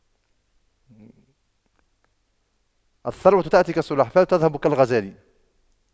الثروة تأتي كالسلحفاة وتذهب كالغزال